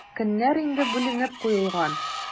Көннәр инде бүленеп куелган.